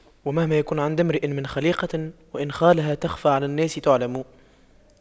ومهما يكن عند امرئ من خَليقَةٍ وإن خالها تَخْفَى على الناس تُعْلَمِ